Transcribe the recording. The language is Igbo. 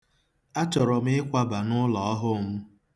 Achọrọ m ịkwaba n'ụlọ ọhụụ m.